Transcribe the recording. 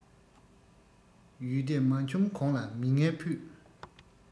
ཡུལ སྡེ མ འཁྱོམས གོང ལ མི ངན ཕུད